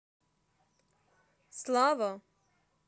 славво